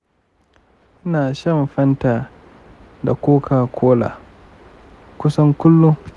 ina shan fanta da kokakola kusan kullum.